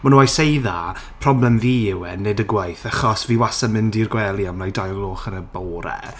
Well no I say that. Problem fi yw e, nid y gwaith, achos fi wastad yn mynd i'r gwely am like dau o'r gloch yn y bore.